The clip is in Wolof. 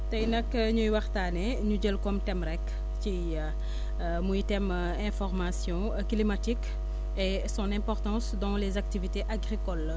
tey nag ñuy waxtaanee ñu jël comme thème rek ci muy thème information climatique et son importance dans les activités agricoles